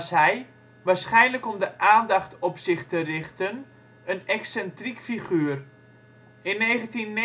hij, waarschijnlijk om de aandacht op zich te richten, een excentriek figuur. In 1929 ging